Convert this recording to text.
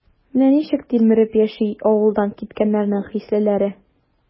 Менә ничек тилмереп яши авылдан киткәннәрнең хислеләре?